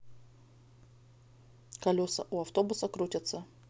колеса у автобуса крутятся